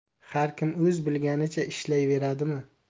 har kim o'z bilganicha ishlayveradimi